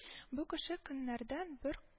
Бу кеше көннәрдән бер